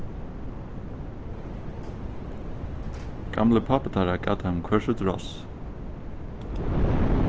gamli pápi teirra gav teimum hvør sítt ross